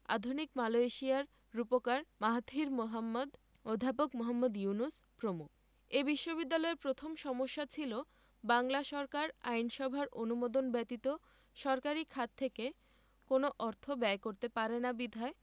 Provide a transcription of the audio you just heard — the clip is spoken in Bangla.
আধুনিক মালয়েশিয়ার রূপকার মাহাথির মোহাম্মদ অধ্যাপক মুহম্মদ ইউনুস প্রমুখ এ বিশ্ববিদ্যালয়ের প্রথম সমস্যা ছিল বাংলা সরকার আইনসভার অনুমোদন ব্যতীত সরকারি খাত থেকে কোন অর্থ ব্যয় করতে পারে না বিধায়